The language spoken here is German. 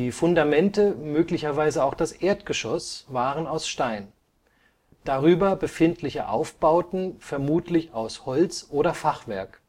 Fundamente, möglicherweise auch das Erdgeschoss, waren aus Stein, darüber befindliche Aufbauten vermutlich aus Holz oder Fachwerk